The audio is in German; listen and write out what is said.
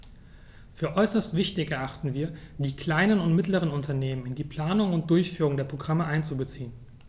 Für äußerst wichtig erachten wir, die kleinen und mittleren Unternehmen in die Planung und Durchführung der Programme einzubeziehen.